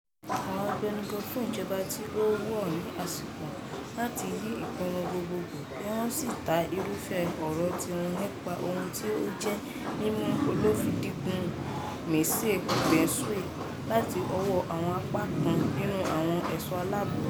Àwọn abẹnugan fún ìjọba tí ó wó ní àsìkò láti yí ìpinnu gbogbogbò kí wọn ó sì ta irúfẹ́ ọ̀rọ̀ tiwọn nípa ohun tí ó jẹ́ mímú olùfidígun Monsieur Bazoum láti ọwọ́ àwọn apá kan nínú àwọn ẹ̀ṣọ́ aláàbò rẹ̀.